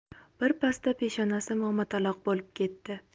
birpasda peshonasi momataloq bo'lib ketdi